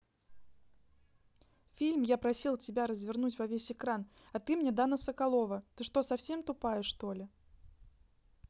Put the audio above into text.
фильм я просил тебя развернуть во весь экран а ты мне дана соколова ты что совсем тупая что ли